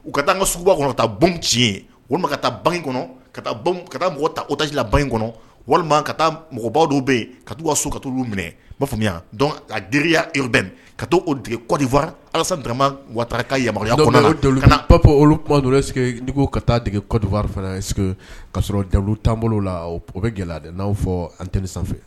U ka' an ka suguba kɔnɔta bon tiɲɛ olu ka taa ban in kɔnɔ ka ka mɔgɔ ta odajila ba in kɔnɔ walima ka taa mɔgɔbaw dɔw bɛ yen ka sokɛkatalu minɛ b'a faamuya dɔn a teririyabɛ ka taa o dege kɔdiwa alasama waatita ka kana ba fɔ olu dɔ ka taa dege kɔdiwase kasɔrɔ ja tan bolo la bɛ gɛlɛya n'a fɔ anteni sanfɛ